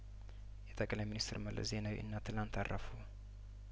የጠቅለይ ሚንስትር መለስ ዜናዊ እናት ትናንት አረፉ